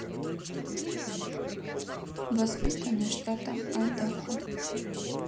воспитанный штатом айдахо